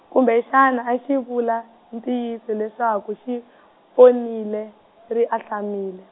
kumbexani a xi vula, ntiyiso leswaku xi ponile, ri ahlamile.